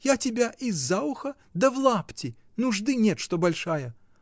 Я тебя и за ухо да в лапти: нужды нет, что большая!